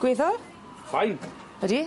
Gweddol? Fine. Ydi?